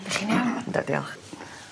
...ydych chi'n? Yndw diolch.